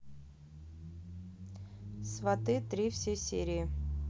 сваты три все серии